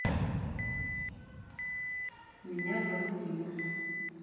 меня зовут дима